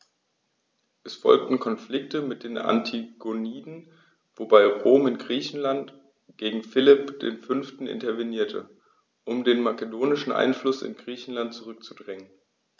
Es folgten Konflikte mit den Antigoniden, wobei Rom in Griechenland gegen Philipp V. intervenierte, um den makedonischen Einfluss in Griechenland zurückzudrängen.